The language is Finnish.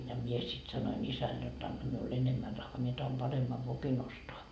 ja minä sitten sanoin isälle jotta anna minulle enemmän rahaa minä tahdon paremman vokin ostaa